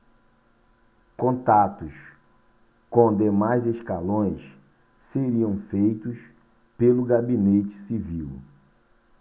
contatos com demais escalões seriam feitos pelo gabinete civil